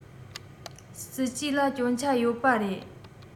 སྲིད ཇུས ལ སྐྱོན ཆ ཡོད པ རེད